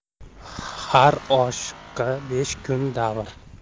har oshiqqa besh kun davr